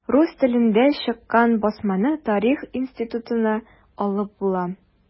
Рус телендә чыккан басманы Тарих институтыннан алып була.